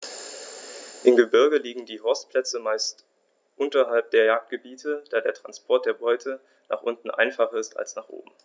Im Gebirge liegen die Horstplätze meist unterhalb der Jagdgebiete, da der Transport der Beute nach unten einfacher ist als nach oben.